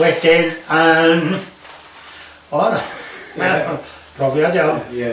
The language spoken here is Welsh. Wedyn yym o'r yy profiad iawn... Ia.